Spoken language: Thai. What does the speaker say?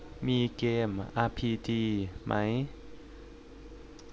มีเกมอาพีจีไหม